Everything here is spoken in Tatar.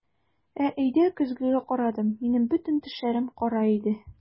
Ә өйдә көзгегә карадым - минем бөтен тешләрем кара иде!